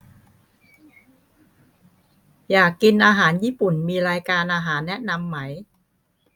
อยากกินอาหารญี่ปุ่นมีรายการอาหารแนะนำไหม